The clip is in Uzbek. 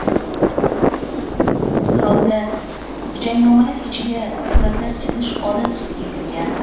hirotda jangnomalar ichiga suratlar chizish odat tusiga kirgan